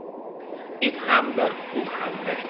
it ham bir u ham bir